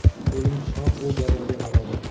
o'lim shoh u gadoga barobar